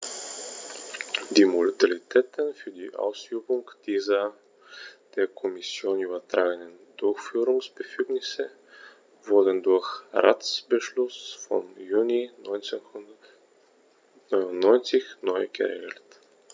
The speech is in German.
Die Modalitäten für die Ausübung dieser der Kommission übertragenen Durchführungsbefugnisse wurden durch Ratsbeschluss vom Juni 1999 neu geregelt.